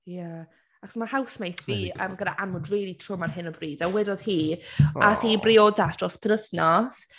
Yeah. Achos mae housemate fi, gyda annwyd really trwm ar hyn o bryd a wedodd hi. Aeth hi i briodas dros y penwythnos.